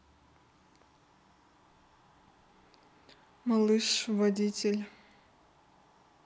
малыш водитель